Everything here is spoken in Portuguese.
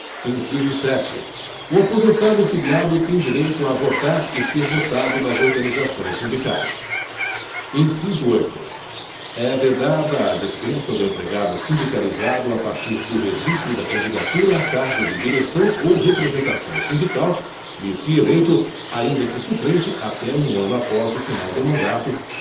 inciso sete o aposentado filiado tem direito a votar e ser votado nas organizações sindicais inciso oito é vedada a dispensa do empregado sindicalizado a partir do registro da candidatura a cargo de direção ou representação sindical e se eleito ainda que suplente até um ano após o final do mandato